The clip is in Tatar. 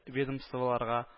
Ведомстволарга